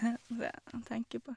Tenke på...